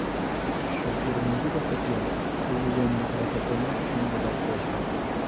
Шакир нинди бәхетле: ул бүген рәхәтләнеп чаңгыда шуачак.